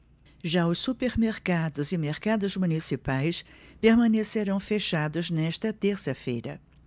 já os supermercados e mercados municipais permanecerão fechados nesta terça-feira